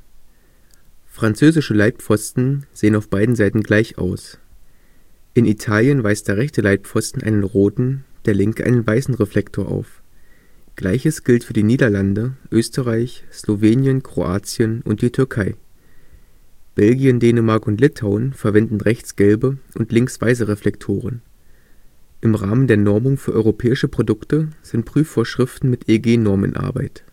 Französische Leitpfosten sehen auf beiden Seiten gleich aus. In Italien weist der rechte Leitpfosten einen roten, der linke einen weißen Reflektor auf. Gleiches gilt für die Niederlande, Österreich, Slowenien, Kroatien und die Türkei. Belgien, Dänemark und Litauen verwenden rechts gelbe und links weiße Reflektoren. Im Rahmen der Normung für europäische Produkte sind Prüfvorschriften mit EG-Norm in Arbeit